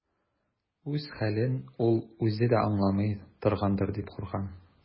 Үз хәлен ул үзе дә аңламый торгандыр дип куркам.